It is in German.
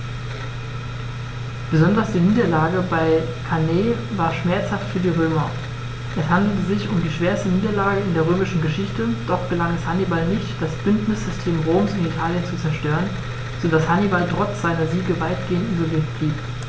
Besonders die Niederlage bei Cannae war schmerzhaft für die Römer: Es handelte sich um die schwerste Niederlage in der römischen Geschichte, doch gelang es Hannibal nicht, das Bündnissystem Roms in Italien zu zerstören, sodass Hannibal trotz seiner Siege weitgehend isoliert blieb.